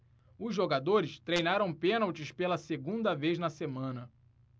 os jogadores treinaram pênaltis pela segunda vez na semana